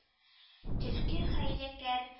Төлке хәйләкәр